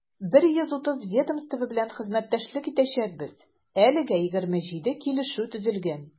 130 ведомство белән хезмәттәшлек итәчәкбез, әлегә 27 килешү төзелгән.